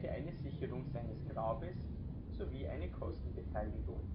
eine Sicherung seines Grabes sowie eine Kostenbeteiligung